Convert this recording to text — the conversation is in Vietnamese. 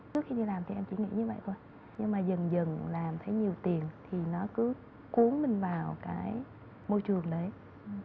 trước khi đi làm thì em cũng nghĩ như vậy nhưng mà dần dần làm thấy nhiều tiền thì nó cứ cuốn mình vào cái môi trường đấy